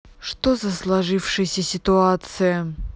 что за сложившаяся ситуация